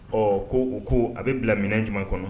Ɔ ko u ko a bɛ bila minɛ jumɛn kɔnɔ